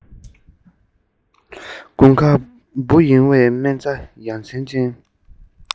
དགུན ཁ འབུ ཡིན བའི སྨན རྩྭ ཡ མཚན ཅན